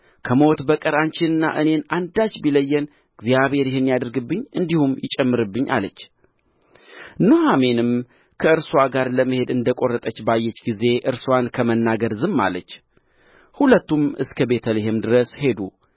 ከሞት በቀር አንቺንና እኔን አንዳች ቢለየን እግዚአብሔር ይህን ያድርግብኝ እንዲሁም ይጨምርብኝ አለች ኑኃሚንም ከእርስዋ ጋር ለመሄድ እንደ ቈረጠች ባየች ጊዜ እርስዋን ከመናገር ዝም አለች ሁሉቱም እስከ ቤተ ልሔም ድረስ ሄዱ